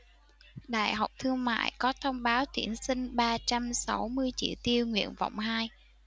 đại học thương mại có thông báo tuyển sinh ba trăm sáu mươi chỉ tiêu nguyện vọng hai